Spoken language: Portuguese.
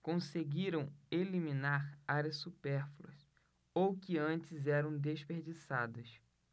conseguiram eliminar áreas supérfluas ou que antes eram desperdiçadas